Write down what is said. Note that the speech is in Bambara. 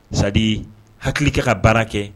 C'est à dire hakili kɛ ka baara kɛ.